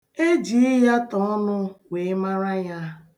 E ji ịyatọ ọnụ wee mara ya.